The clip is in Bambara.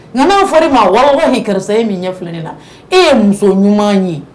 Nka n'aw fɔra ma wa h karisa e min ɲɛ filɛ de la e ye muso ɲuman ye